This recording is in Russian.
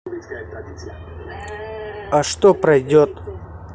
а что пройдет